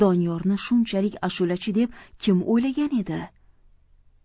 doniyorni shunchalik ashulachi deb kim o'ylagan edi